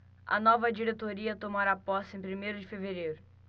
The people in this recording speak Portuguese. a nova diretoria tomará posse em primeiro de fevereiro